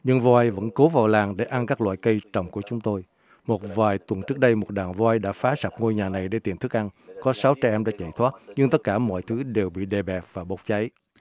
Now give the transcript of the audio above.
nhưng voi vẫn cố vào làng để ăn các loại cây trồng của chúng tôi một vài tuần trước đây một đàn voi đã phá sập ngôi nhà này để tìm thức ăn có sáu trẻ em đã chạy thoát nhưng tất cả mọi thứ đều bị đè bẹp và bột giấy